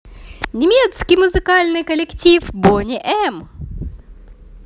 немецкий музыкальный коллектив boney m